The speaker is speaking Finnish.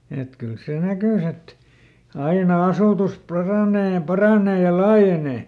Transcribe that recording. että kyllä se näkyi että aina asutus paranee ja paranee ja laajenee